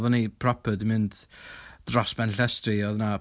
Roeddan ni proper 'di mynd dros ben llestri, oedd 'na...